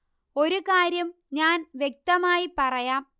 ഒരു കാര്യം ഞാൻ വ്യക്തമായി പറയാം